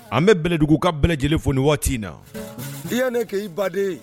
An bɛ bɛndugu ka b lajɛlenele fo ni waati in na i yan ne kɛ i baden ye